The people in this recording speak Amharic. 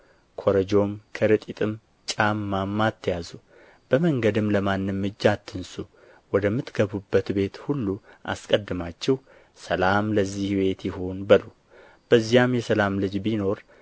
ኮረጆም ከረጢትም ጫማም አትያዙ በመንገድም ለማንም እጅ አትንሡ ወደምትገቡበት ቤት ሁሉ አስቀድማችሁ ሰላም ለዚህ ቤት ይሁን በሉ በዚያም የሰላም ልጅ ቢኖር